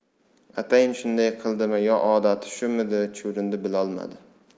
atayin shunday qildimi yo odati shumidi chuvrindi bilolmadi